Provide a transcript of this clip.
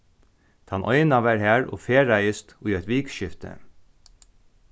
tann eina var har og ferðaðist í eitt vikuskifti